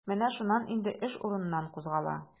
Менә шуннан инде эш урыныннан кузгала.